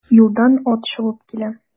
Юлдан ат чабып килә.